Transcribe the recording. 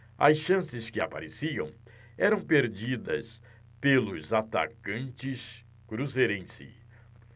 as chances que apareciam eram perdidas pelos atacantes cruzeirenses